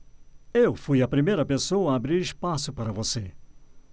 eu fui a primeira pessoa a abrir espaço para você